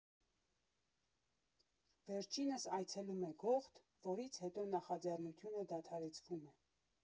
Վերջինս այցելում է Գողթ, որից հետո նախաձեռնությունը դադարեցվում է։